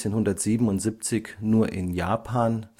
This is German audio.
1977, nur in Japan